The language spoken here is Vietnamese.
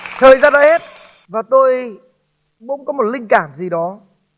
thời gian đã hết và tôi cũng có một linh cảm gì đó